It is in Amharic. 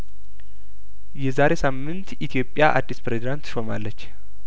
የዛሬ ሳምንት ኢትዮጵያ አዲስ ፕሬዝዳንት ትሾማለች